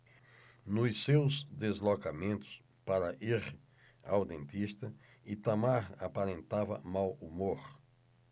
nos seus deslocamentos para ir ao dentista itamar aparentava mau humor